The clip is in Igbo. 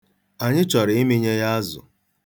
Anyị chọrọ ịmịnye ya azụ.